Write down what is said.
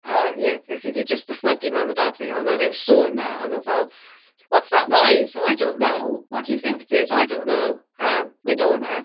A, ie, y- allet ti jyst dychmygu mam a dad fi. Oedd 'na ryw sŵn 'na oedd nhw fel "What's that noise?" "Oh, I don't know." "What do you think it is?" "Oh, I don't know." a mynd o 'na.